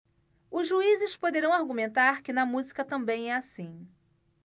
os juízes poderão argumentar que na música também é assim